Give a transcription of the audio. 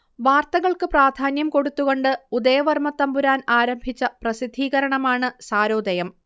വാർത്തകൾക്ക് പ്രാധാന്യം കൊടുത്തുകൊണ്ട് ഉദയവർമ്മത്തമ്പുരാൻ ആരംഭിച്ച പ്രസിദ്ധീകരണമാണ് സാരോദയം